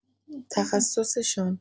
تخصصشان؟